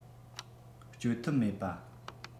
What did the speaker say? སྐྱོབ ཐབས མེད པ